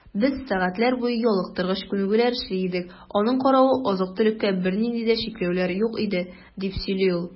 Без сәгатьләр буе ялыктыргыч күнегүләр эшли идек, аның каравы, азык-төлеккә бернинди дә чикләүләр юк иде, - дип сөйли ул.